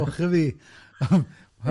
O, ych a fi!